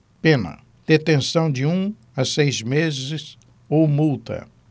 pena detenção de um a seis meses ou multa